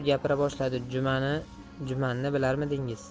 gapira boshladi jumanni bilarmidingiz